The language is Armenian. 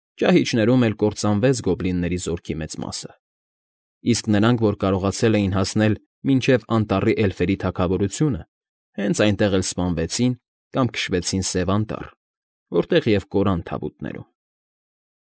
Ճահիճներում էլ կործանվեց գոբլինների գորքի մեծ մասը, իսկ նրանք, որ կարողացել էին հասնել մինչև անտառի էլֆերի թագավորությունը, հենց այնտեղ էլ սպանվեցին կամ քշվեցին Սև Անտառ, որտեղ և կորան թավուտներում։